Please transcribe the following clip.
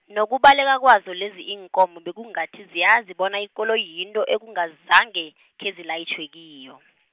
nokubaleka kwazo lezi iinkomo bekungathi ziyazi bona ikoloyi yinto ekungazange, khezilayitjhwe kiyo.